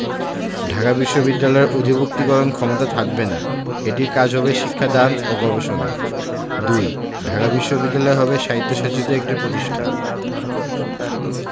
ঢাকা বিশ্ববিদ্যালয়ের অধিভুক্তিকরণ ক্ষমতা থাকবে না এটির কাজ হবে শিক্ষা দান ও গবেষণা ২. ঢাকা বিশ্ববিদ্যালয় হবে স্বায়ত্তশাসিত একটি প্রতিষ্ঠান